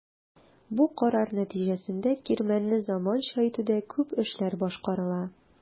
Бу карар нәтиҗәсендә кирмәнне заманча итүдә күп эшләр башкарыла.